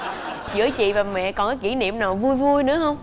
giữa chị và mẹ còn cái kỷ niệm nào vui vui nữa không